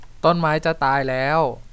ต้นไม้จะตายแล้ว